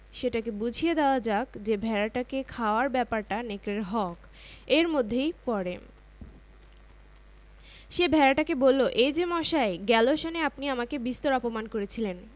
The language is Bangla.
সঙ্গে ফ্রিজ ফ্রিজার ক্রেতাদের জন্য থাকছে ০% ইন্টারেস্টে ৬ মাস পর্যন্ত নগদ মূল্য পরিশোধ এবং ১২ মাস পর্যন্ত সহজ কিস্তি সুবিধা